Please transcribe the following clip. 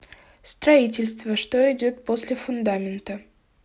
строительство что идет после фундамента